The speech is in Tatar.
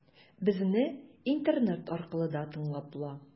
Безне интернет аркылы да тыңлап була.